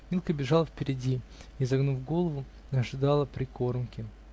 Милка бежала впереди и, загнув голову, ожидала прикормки.